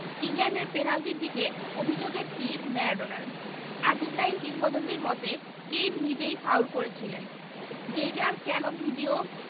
ইংল্যান্ডের পেনাল্টির দিকে অভিযোগের তির ম্যারাডোনার আর্জেন্টাইন কিংবদন্তির মতে কেইন নিজেই ফাউল করেছিলেন গেইগার কেন ভিডিও